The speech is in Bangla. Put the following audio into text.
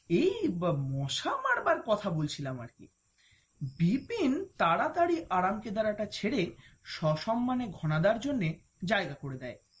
এই মশা মারার কথা বলছিলাম বিপিন তাড়াতাড়ি আরামকেদারা টা ছেড়ে সসম্মানে ঘনাদার জন্য জায়গা করে দেয়